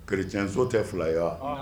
Kerecɛnso tɛ2 ye wa?